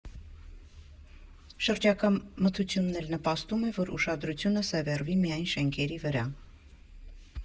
Շրջակա մթությունն էլ նպաստում է, որ ուշադրությունը սևեռվի միայն շենքերի վրա։